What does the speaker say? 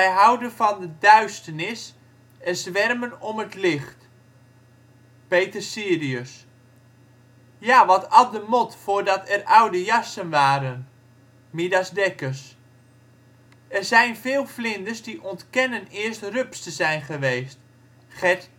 houden van de duisternis en zwermen om het licht. - Peter Sirius Ja, wat at de mot voordat er oude jassen waren... - Midas Dekkers Er zijn veel vlinders die ontkennen eerst rups te zijn geweest. - Gerd